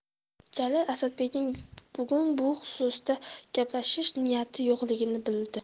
jalil asadbekning bugun bu xususda gaplashish niyati yo'qligini bildi